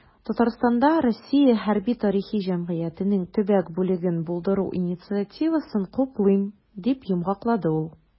"татарстанда "россия хәрби-тарихи җәмгыяте"нең төбәк бүлеген булдыру инициативасын хуплыйм", - дип йомгаклады ул.